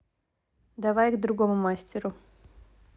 давай к другому мастеру